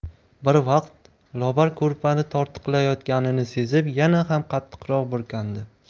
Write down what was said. bir vaqt lobar ko'rpani tortqilayotganini sezib yana ham qattiqroq burkandi